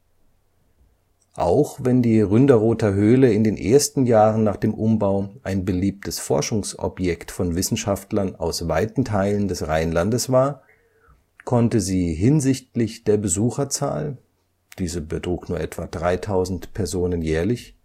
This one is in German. Auch wenn die Ründerother Höhle in den ersten Jahren nach dem Umbau ein beliebtes Forschungsobjekt von Wissenschaftlern aus weiten Teilen des Rheinlandes war, konnte sie hinsichtlich der Besucherzahl – diese betrug nur etwa 3000 Personen jährlich